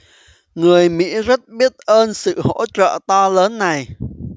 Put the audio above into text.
người mỹ rất biết ơn sự hỗ trợ to lớn này